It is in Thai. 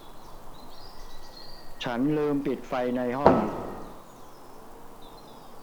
ฉันลืมปิดไฟในห้อง